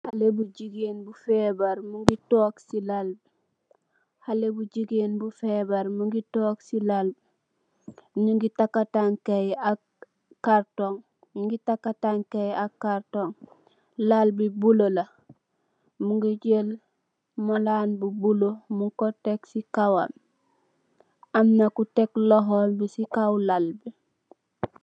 Xalé bu jigéen bu feebar, mu ngi toog si lal bi. Xalé bu jigéen bu feebar, mu ngi toog si lal bi. Ñu ngi takkë taankam yi ak kartoñg, lal bi buloo la, mu ngi jal malaan bu buloo tek ko si kowam. Am na ko tek loxoom si kow lal bi.